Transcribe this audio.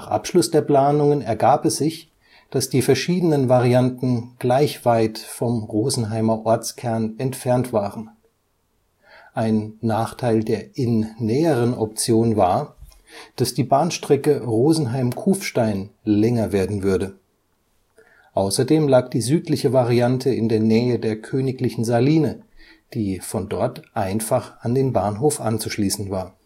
Abschluss der Planungen ergab es sich, dass die verschiedenen Varianten gleich weit vom Rosenheimer Ortskern entfernt waren. Ein Nachteil der Inn-näheren Option war, dass die Bahnstrecke Rosenheim – Kufstein länger werden würde. Außerdem lag die südliche Variante in der Nähe der königlichen Saline, die von dort einfach an den Bahnhof anzuschließen war